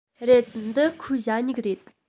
རེད འདི ཁོའི ཞ སྨྱུག རེད